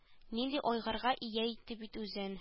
Нинди айгырга ия итте бит үзен